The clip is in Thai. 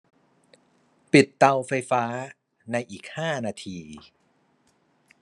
ปิดเตาไฟฟ้าในอีกห้านาที